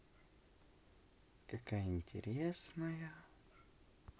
какая интересная